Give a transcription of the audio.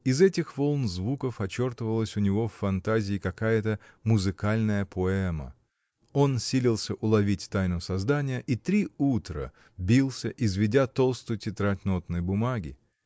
Из этих волн звуков очертывалась у него в фантазии какая-то музыкальная поэма: он силился уловить тайну создания и три утра бился, изведя толстую тетрадь нотной бумаги.